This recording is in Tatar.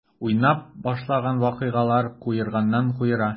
Уйнап башланган вакыйгалар куерганнан-куера.